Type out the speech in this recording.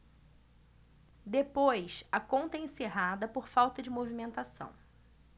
depois a conta é encerrada por falta de movimentação